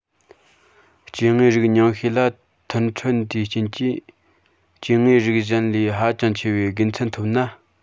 སྐྱེ དངོས རིགས ཉུང ཤས ལ མཐུན འཕྲོད འདིའི རྐྱེན གྱིས སྐྱེ དངོས རིགས གཞན ལས ཧ ཅང ཆེ བའི དགེ མཚན ཐོབ ན